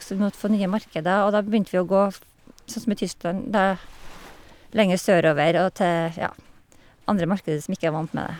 Så vi måtte få nye markeder, og da begynte vi å gå, f sånn som i Tyskland, da, lenger sørover og til, ja, andre markeder som ikke er vant med det.